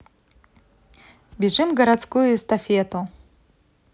бежим городскую эстафету